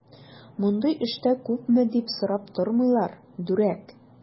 Мондый эштә күпме дип сорап тормыйлар, дүрәк!